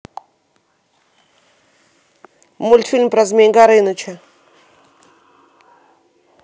мультфильм про змей горыныча